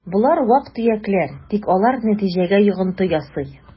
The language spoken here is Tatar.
Болар вак-төякләр, тик алар нәтиҗәгә йогынты ясый: